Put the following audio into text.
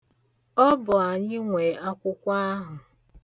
Ọ bụ anyị nwe akwụkwọ ahụ.